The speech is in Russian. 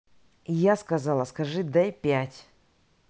я сказала скажи дай пять